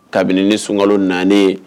Kabini ni sunkalo naani